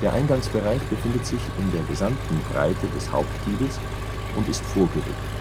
Eingangsbereich befindet sich in der gesamten Breite des Hauptgiebels und ist vorgerückt